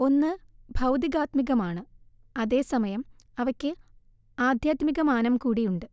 ഒന്ന് ഭൗതികാത്മികമാണ്, അതേസമയം, അവയ്ക്ക് ആധ്യാത്മികമാനം കൂടിയുണ്ട്